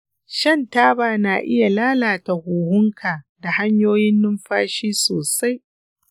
shan taba na iya lalata huhunka da hanyoyin numfashi sosai.